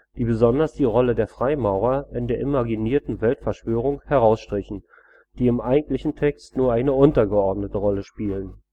die besonders die Rolle der Freimaurer in der imaginierten Weltverschwörung herausstrichen, die im eigentlichen Text nur eine untergeordnete Rolle spielen